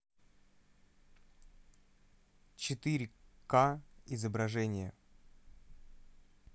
четыре ка изображение